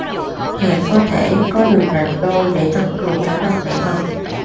hạt có thể có đường rạch đôi để tăng cường khả năng nảy mầm